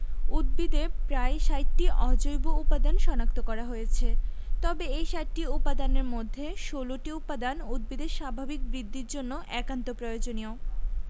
উদ্ভিদে প্রায় ৬০টি অজৈব উপাদান শনাক্ত করা হয়েছে তবে এই ৬০টি উপাদানের মধ্যে ১৬টি উপাদান উদ্ভিদের স্বাভাবিক বৃদ্ধির জন্য একান্ত প্রয়োজনীয়